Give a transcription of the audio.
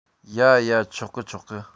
ཡ ཡ ཆོག གི ཆོག གི